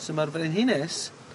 So ma'r frenhines